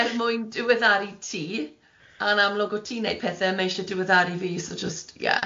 er mwyn diweddaru ti, a'n amlwg o't ti'n wneud pethe mae isie diweddaru fi, so jyst ie.